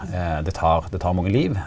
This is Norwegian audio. det tar det tar mange liv.